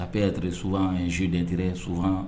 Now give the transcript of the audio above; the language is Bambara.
ça peu etre sounvent un jeux d'interet souven _